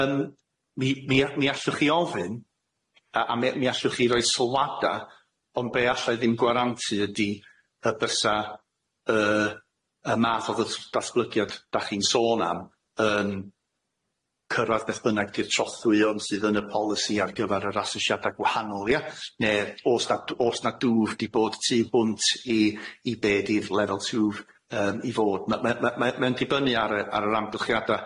Yym mi mi a- mi allwch chi ofyn a a mi mi allwch chi roi sylwada ond be' allai ddim gwarantu ydi y bysa y y math o dd- datsglydiad dach chi'n sôn am yn cyrradd beth bynnag di'r trothwyon sydd yn y polisi ar gyfar yr asesiada gwahanol ia? Ne' os na d- o's na dŵr di bod tu hwnt i i be' di'r lefel two yym i fod ma' ma' ma' ma' yn dibynnu ar y ar yr amgylchiada.